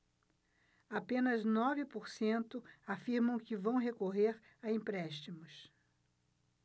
apenas nove por cento afirmam que vão recorrer a empréstimos